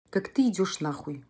как ты идешь нахуй